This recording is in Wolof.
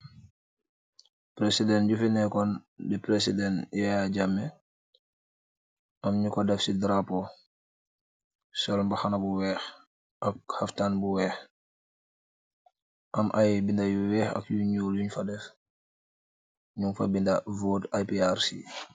President bufi nekon di president Yaya Jammeh aam nyu ko deff si darapu sool mbaxana bu weex ak haftan bu weex am ay benda yu weex ak yu nuul nyun faa deff nyung faa benda vote APRC.